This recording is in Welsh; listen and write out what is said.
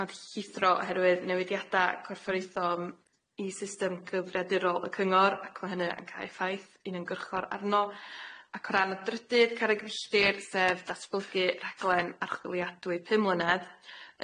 Ma'n llithro oherwydd newidiada corfforaethol m- i system gyfriadirol y cyngor ac ma' hynny yn ca'l effaith uniongyrchol arno ac o ran y drydydd carreg filltir sef datblygu rhaglen archwiliadwy pum mlynedd,